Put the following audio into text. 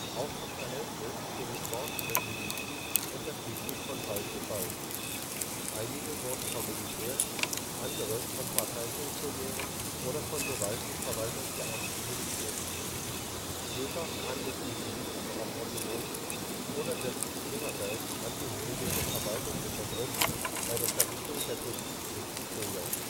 Auch das Verhältnis zu den mordenden Milizen unterschied sich von Fall zu Fall. Einige wurden vom Militär, andere von Parteifunktionären oder von Verwaltungsbeamten dirigiert. Vielfach handelten die Milizen auch autonom oder setzten ihrerseits Angehörige der Verwaltung unter Druck, bei der Vernichtung der Tutsi nicht zu zögern